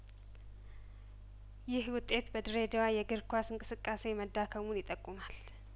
ይህ ውጤት በድሬዳዋ የእግር ኳስ እንቅስቃሴ መዳከሙን ይጠቁማል